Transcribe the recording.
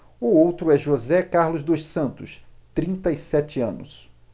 o outro é josé carlos dos santos trinta e sete anos